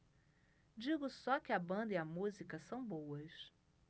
digo só que a banda e a música são boas